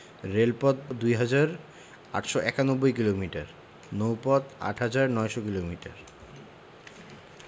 রেলপথ ২হাজার ৮৯১ কিলোমিটার নৌপথ ৮হাজার ৯০০ কিলোমিটার